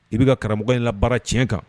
I bɛka karamɔgɔ in labaara tiɲɛ kan.